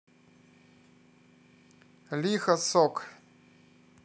лиха сок